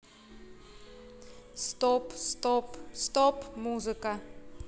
стоп стоп стоп музыка